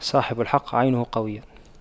صاحب الحق عينه قوية